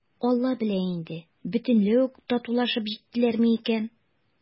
«алла белә инде, бөтенләй үк татулашып җиттеләрме икән?»